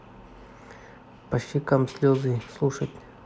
по щекам слезы слушать